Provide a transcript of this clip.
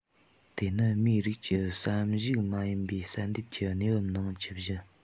དེ ནི མིའི རིགས ཀྱི བསམ བཞིན མ ཡིན པའི བསལ འདེམས ཀྱི གནས བབ ནང ཇི བཞིན